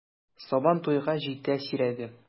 Сабан туйга җитә сирәге!